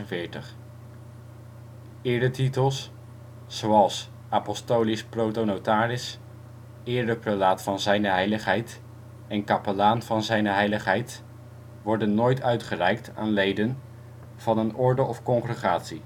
Eretitels (Apostolisch protonotaris, Ereprelaat van Zijne Heiligheid en Kapelaan van Zijne Heiligheid) worden nooit uitgereikt aan leden van een orde of congregatie